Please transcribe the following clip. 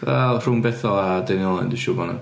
Wel rhwng Bethel a Deiniolen dwi'n siwr bod 'na.